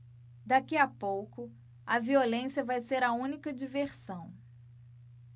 daqui a pouco a violência vai ser a única diversão